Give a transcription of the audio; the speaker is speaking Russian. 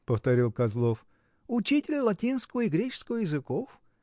— повторил Козлов, — учитель латинского и греческого языков.